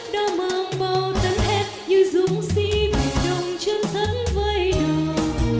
đã mang bao tấn thép như dũng sĩ biển đông chân sắt vai đồng